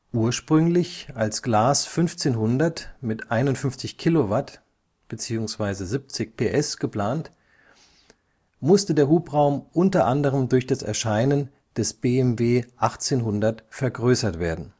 Ursprünglich als Glas 1500 mit 51 kW (70 PS) geplant, musste der Hubraum u.a. durch das Erscheinen des BMW 1800 vergrößert werden